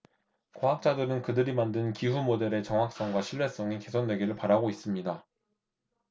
과학자들은 그들이 만든 기후 모델의 정확성과 신뢰성이 개선되기를 바라고 있습니다